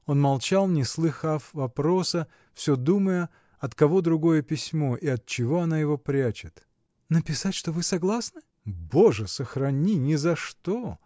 Он молчал, не слыхав вопроса, всё думая, от кого другое письмо и отчего она его прячет? — Написать, что вы согласны? — Боже сохрани — ни за что!